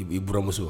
I b'i bmuso